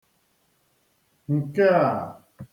ǹke ā